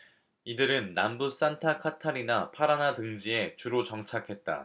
이들은 남부 산타카타리나 파라나 등지에 주로 정착했다